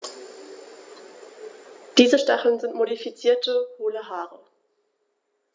Diese Stacheln sind modifizierte, hohle Haare.